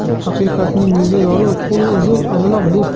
haqiqatning yuzi yorug' qo'li uzun ablah do'st